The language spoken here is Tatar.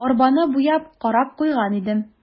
Арбаны буяп, карап куйган идем.